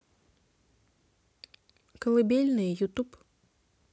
колыбельные ютуб